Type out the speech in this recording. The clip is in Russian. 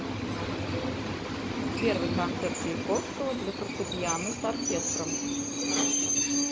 первый концерт чайковского для фортепьяно с оркестром